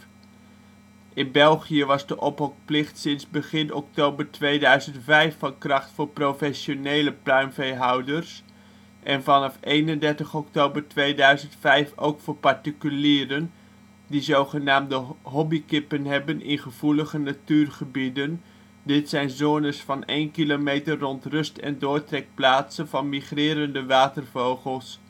België was de ophokplicht sinds begin oktober 2005 van kracht voor professionele pluimveehouders en vanaf 31 oktober 2005 ook voor particulieren (die zogenaamde hobbykippen hebben) in gevoelige natuurgebieden, dit zijn zones van één kilometer rond rust - en doortrekplaatsen van migrerende watervogels